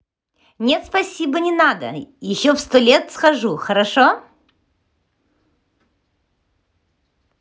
нет спасибо не надо еще в сто лет схожу хорошо